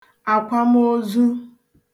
àkwamoozu